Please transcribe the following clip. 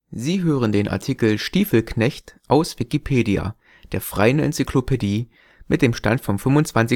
Sie hören den Artikel Stiefelknecht, aus Wikipedia, der freien Enzyklopädie. Mit dem Stand vom Der